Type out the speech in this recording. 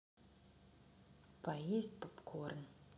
поесть попкорн